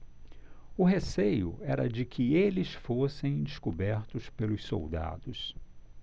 o receio era de que eles fossem descobertos pelos soldados